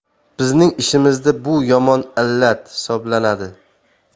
bizning ishimizda bu yomon illat hisoblanadi